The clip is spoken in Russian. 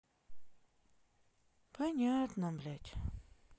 понятно блядь